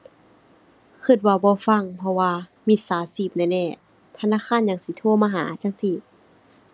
คิดว่าบ่ฟัง เพราะว่ามิจฉาชีพแน่แน่ ธนาคารหยังสิโทรมาหาจั่งซี้